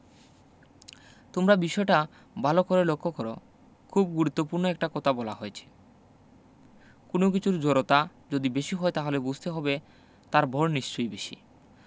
তোমরা বিষয়টা ভালো করে লক্ষ করো খুব গুরুত্বপূর্ণ একটা কথা বলা হয়েছে কোনো কিছুর জড়তা যদি বেশি হয় তাহলে বুঝতে হবে তার ভরও নিশ্চয়ই বেশি